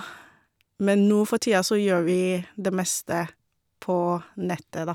Men nå for tida så gjør vi det meste på nettet, da.